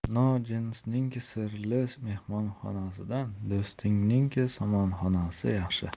nojinsning sirli mehmonxonasidan do'stingning somonxonasi yaxshi